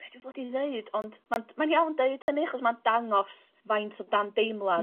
be' dwi fod i ddeud ond ma'n mae'n iawn deud hynny achos ma'n dangos faint o dan deimlad ...